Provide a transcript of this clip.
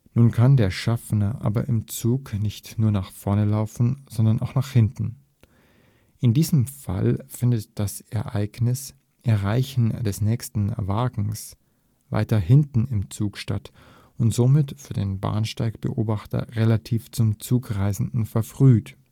Nun kann der Schaffner aber im Zug nicht nur nach vorne laufen, sondern auch nach hinten. In diesem Fall findet das Ereignis „ Erreichen des nächsten Wagens “weiter hinten im Zug statt und somit für den Bahnsteig-Beobachter relativ zum Zugreisenden „ verfrüht